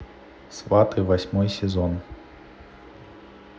сваты восьмой сезон